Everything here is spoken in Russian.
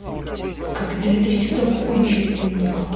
когда это все закончится нахуй